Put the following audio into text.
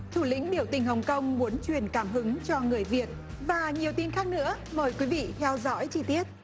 thủ lĩnh biểu tình hồng công muốn truyền cảm hứng cho người việt và nhiều tin khác nữa mời quý vị theo dõi chi tiết